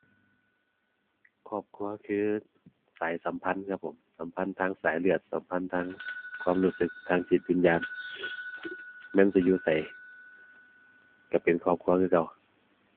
ครอบครัวคือสายสัมพันธ์ครับผม สัมพันธ์ทางสายเลือด สัมพันธ์ทางความรู้สึก ทางจิตวิญญาณ แม่นสิอยู่ไสก็เป็นครอบครัวคือเก่า